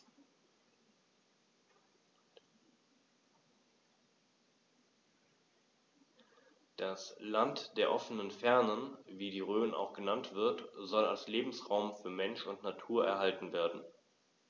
Das „Land der offenen Fernen“, wie die Rhön auch genannt wird, soll als Lebensraum für Mensch und Natur erhalten werden.